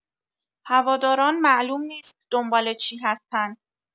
هواداران معلوم نیست دنبال چی هستن